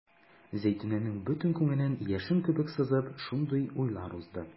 Зәйтүнәнең бөтен күңелен яшен кебек сызып шундый уйлар узды.